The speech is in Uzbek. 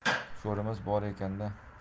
sho'rimiz bor ekan da